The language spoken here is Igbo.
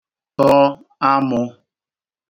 tọ amụ̄